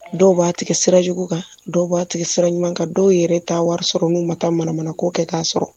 Dɔw b'a tigɛ sira jugu kan dɔw b'a tigɛ sira ɲuman kan dɔw yɛrɛ taa wari sɔrɔ n'u ma taa mara ko kɛ t'a sɔrɔ